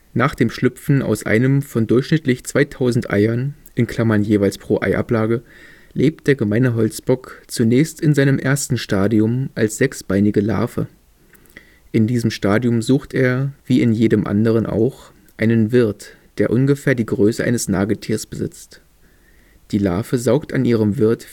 Nach dem Schlüpfen aus einem von durchschnittlich 2.000 Eiern (jeweils pro Eiablage) lebt der Gemeine Holzbock zunächst in seinem ersten Stadium als sechsbeinige Larve. In diesem Stadium sucht er, wie in jedem anderen auch, einen Wirt, der ungefähr die Größe eines Nagetiers besitzt. Die Larve saugt an ihrem Wirt